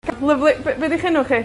Pr- lyfli. Be' be' 'dych enw chi?